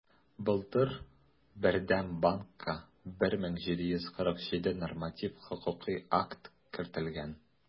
Былтыр Бердәм банкка 1747 норматив хокукый акт кертелгән.